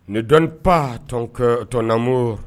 Ne donne pas, ton que tonamour